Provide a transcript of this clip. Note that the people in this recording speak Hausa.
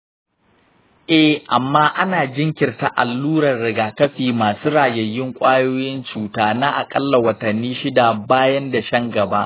eh, amma ana jinkirta alluran rigakafi masu rayayyun ƙwayoyin cuta na aƙalla watanni shida bayan dashen gaɓa.